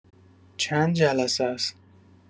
چن جلسس؟